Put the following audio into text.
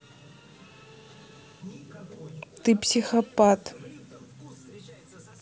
ты психопат